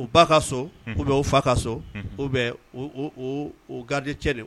O ba ka so' bɛ o fa ka so o bɛ garidi cɛ de